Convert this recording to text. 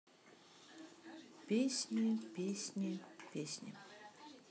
песни песни песни песни